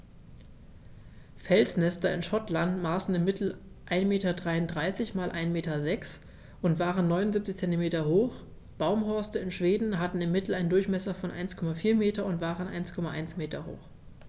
Felsnester in Schottland maßen im Mittel 1,33 m x 1,06 m und waren 0,79 m hoch, Baumhorste in Schweden hatten im Mittel einen Durchmesser von 1,4 m und waren 1,1 m hoch.